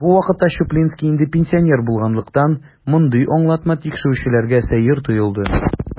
Бу вакытка Чуплинский инде пенсионер булганлыктан, мондый аңлатма тикшерүчеләргә сәер тоелды.